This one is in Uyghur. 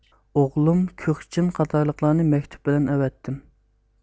ئوغلۇم كۇخجىن قاتارلىقلارنى مەكتۇپ بىلەن ئەۋەتتىم